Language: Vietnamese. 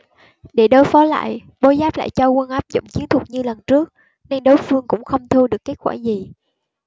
để đối phó lại bố giáp lại cho quân áp dụng chiến thuật như lần trước nên đối phương cũng không thu được kết quả gì